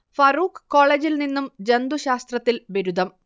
ഫറൂക്ക് കോളേജിൽ നിന്നും ജന്തുശാസ്ത്രത്തിൽ ബിരുദം